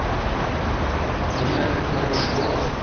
у тебя такой хороший голос